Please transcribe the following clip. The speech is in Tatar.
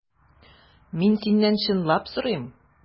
Мин синнән чынлап сорыйм.